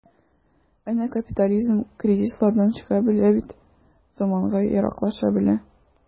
Әнә капитализм кризислардан чыга белә бит, заманга яраклаша белә.